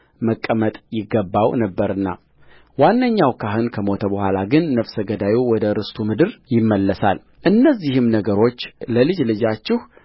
መቀመጥ ይገባው ነበርና ዋነኛው ካህን ከሞተ በኋላ ግን ነፍሰ ገዳዩ ወደ ርስቱ ምድር ይመለሳልእነዚህም ነገሮች ለልጅ ልጃችሁ